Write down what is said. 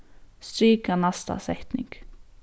strika næsta setning